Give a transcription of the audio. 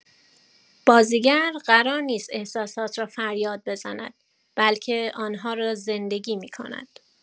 بازیگر قرار نیست احساسات را فریاد بزند، بلکه آن‌ها را زندگی می‌کند.